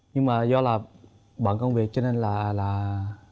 nhưng mà do là bận công việc cho nên là là